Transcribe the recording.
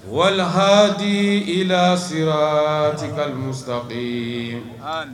Wala hadi i lasirati kamu sanfɛ